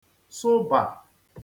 sụbà